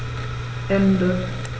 Ende.